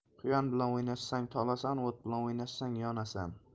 quyon bilan o'ynashsang tolasan o't bilan o'ynashsang yonasan